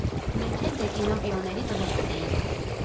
Մենք էլ դե կինո «Պիոների» տղերքն էինք։